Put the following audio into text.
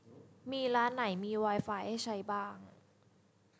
มีร้านไหนมีไวไฟให้ใช้บ้าง